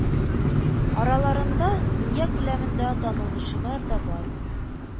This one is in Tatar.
Араларында дөнья күләмендә танылучылар да бар